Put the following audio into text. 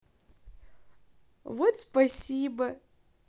вот спасибо